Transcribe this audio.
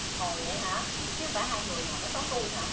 ồ dậy hả chớ hông phải hai người ngồi nói xấu tui hả